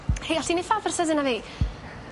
Hei, all ti neu' ffafr sydyn â fi?